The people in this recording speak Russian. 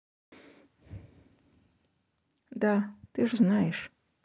да ты же знаешь